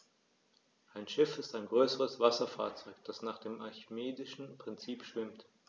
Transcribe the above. Ein Schiff ist ein größeres Wasserfahrzeug, das nach dem archimedischen Prinzip schwimmt.